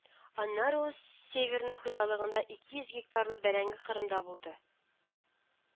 Аннары ул Северный хуҗалыгында ике йөз гектарлы бәрәңге кырында булды